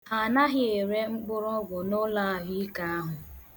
Ha anaghị ere mkpụrụọgwụ n' ụlọahụike ahụ.